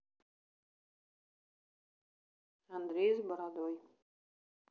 андрей с бородой